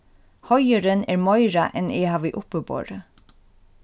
heiðurin er meira enn eg havi uppiborið